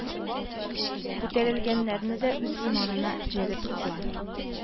Күтәрелгәннәрне дә үз иманына җәлеп итә